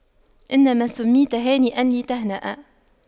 إنما سُمِّيتَ هانئاً لتهنأ